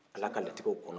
ala ka latigɛw kɔnɔ